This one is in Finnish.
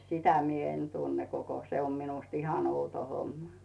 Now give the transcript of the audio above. sitä minä en tunne koko se on minusta ihan outo homma